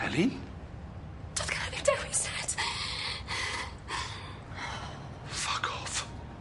Elin? Do'dd gynna fi'm dewis Ned. Fuck off.